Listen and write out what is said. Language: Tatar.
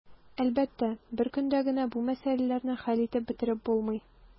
Әлбәттә, бер көндә генә бу мәсьәләләрне хәл итеп бетереп булмый.